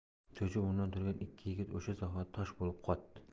cho'chib o'rnidan turgan ikki yigit o'sha zahoti tosh bo'lib qotdi